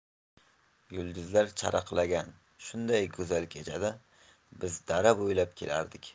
yulduzlar charaqlagan shunday go'zal kechada biz dara bo'ylab kelardik